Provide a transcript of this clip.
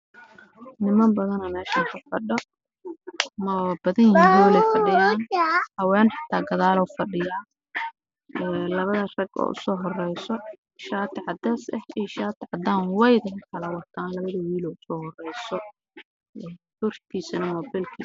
Niman badan oo meel fadhiyo gadaal waxa ka jiro haween